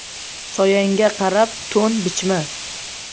soyangga qarab to'n bichma